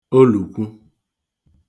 olùkwu